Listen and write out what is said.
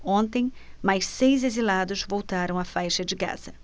ontem mais seis exilados voltaram à faixa de gaza